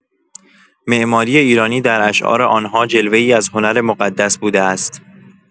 معماری ایرانی در اشعار آن‌ها، جلوه‌ای از هنر مقدس بوده است.